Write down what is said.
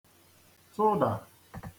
-tụdà